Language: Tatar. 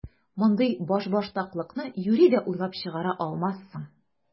Мондый башбаштаклыкны юри дә уйлап чыгара алмассың!